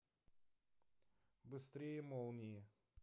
быстрее молнии